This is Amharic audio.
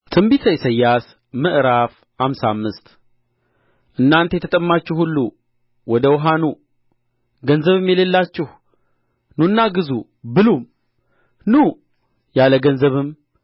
ትንቢተ ኢሳይያስ ምዕራፍ ሃምሳ አምስት እናንተ የተጠማችሁ ሁሉ ወደ ውኃ ኑ ገንዘብም የሌላችሁ ኑና ግዙ ብሉም ኑ ያለ ገንዘብም